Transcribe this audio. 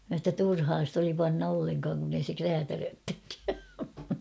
minä sanoin jotta turhaa sitä oli panna ollenkaan kun ei se räätälöitsekään